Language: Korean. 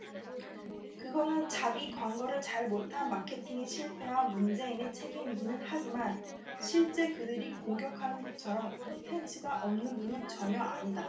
그거는 자기 광고를 잘 못한 마케팅에 실패한 문재인의 책임이기는 하지만 실제 그들이 공격하는 것처럼 콘텐츠가 없는 분은 전혀 아니다